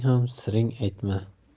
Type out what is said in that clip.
ham siring aytma